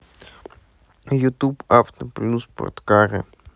ютуб авто плюс спорткары